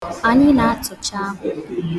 Anyị na-atụcha akwu